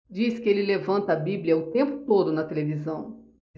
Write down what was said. diz que ele levanta a bíblia o tempo todo na televisão